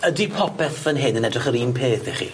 Ydi popeth fan hyn yn edrych yr un peth i chi?